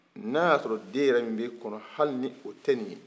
n'a y'a sɔrɔ den min bɛ e kɔnɔ ni o tɛ nin ye